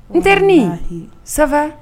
N teririni saba